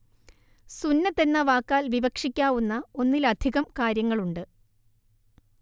സുന്നത്ത് എന്ന വാക്കാൽ വിവക്ഷിക്കാവുന്ന ഒന്നിലധികം കാര്യങ്ങളുണ്ട്